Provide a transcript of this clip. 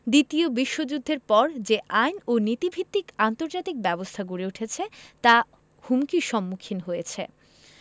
দ্বিতীয় বিশ্বযুদ্ধের পর যে আইন ও নীতিভিত্তিক আন্তর্জাতিক ব্যবস্থা গড়ে উঠেছে তা হুমকির সম্মুখীন হয়েছে